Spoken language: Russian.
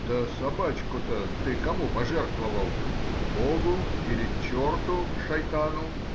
— Да собачку-то ты кому пожертвовал: богу или черту — шайтану?